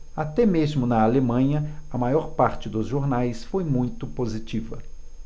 até mesmo na alemanha a maior parte dos jornais foi muito positiva